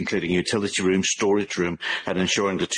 including a utility room, storage room, and ensuring the